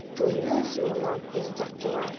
Туйны зурлап уздырдылар.